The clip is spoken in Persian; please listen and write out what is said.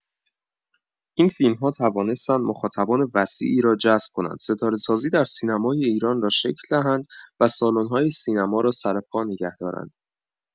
این فیلم‌ها توانستند مخاطبان وسیعی را جذب کنند، ستاره‌سازی در سینمای ایران را شکل دهند و سالن‌های سینما را سرپا نگه دارند.